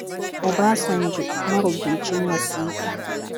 Obasanjo, marubucin wasiƙa?